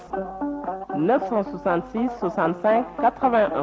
9666581